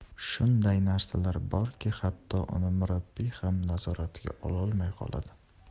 shunday narsalar borki hatto uni murabbiy ham nazoratiga ololmay qoladi